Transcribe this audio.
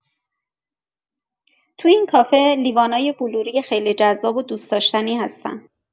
تو این کافه، لیوانای بلوری خیلی جذاب و دوست‌داشتنی هستن.